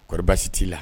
Kɔri baasi t'i la